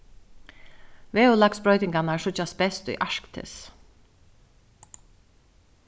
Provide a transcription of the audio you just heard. veðurlagsbroytingarnar síggjast best í arktis